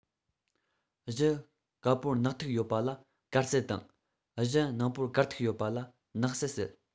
གཞི དཀར པོར ནག ཐིག ཡོད པ ལ དཀར ཟལ དང གཞི ནག པོར དཀར ཐིག ཡོད པ ལ ནག ཟལ ཟེར